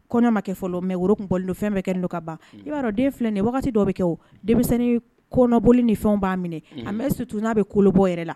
Kɔɲɔ ma kɛ fɔlɔ mɛ woro tun bɔlen don, fɛn bɛ kɛlen don ka ban, i b'a dɔn den filɛ ni ye, wagati dɔw bɛ kɛ, o denmisɛnnin kɔnɔboli ni fɛnw b'a minɛ, unhun, mais surtout n'a bɛ kolobɔ yɛrɛ la.